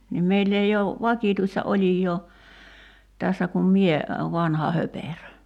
niin meillä ei ole vakituista olijaa tässä kuin minä vanha höperö